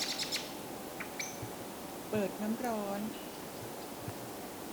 เปิดน้ำร้อน